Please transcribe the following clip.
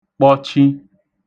kpọchi